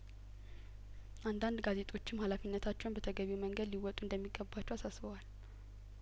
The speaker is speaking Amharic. አንዳንድ ጋዜጦችም ሀላፊነታቸውን በተገቢው መንገድ ሊወጡ እንደሚገባቸው አሳ ስበዋል